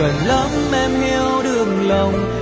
cần lắm em hiểu được lòng